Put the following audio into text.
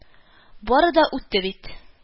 Бары да үтте бит